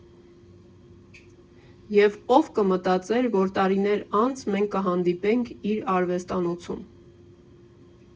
Եվ ո՞վ կմտածեր, որ տարիներ անց մենք կհանդիպեինք իր արվեստանոցում։